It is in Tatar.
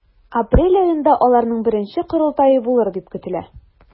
Апрель аенда аларның беренче корылтае булыр дип көтелә.